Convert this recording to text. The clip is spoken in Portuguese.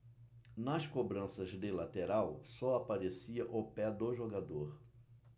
nas cobranças de lateral só aparecia o pé do jogador